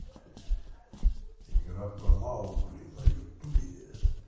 игра про маугли на ютубе